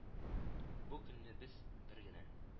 Бу көнне без бер генә